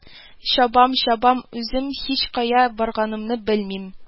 Ча-бам-чабам, үзем һичкая барганымны белмим